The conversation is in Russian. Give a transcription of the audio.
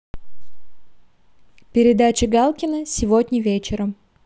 передача галкина сегодня вечером